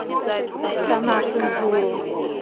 страна цензуру